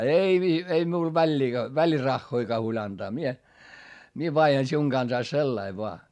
ei - ei minulle väliin välirahojakaan huoli antaa minä minä vaihdan sinun kanssasi sillä lailla vain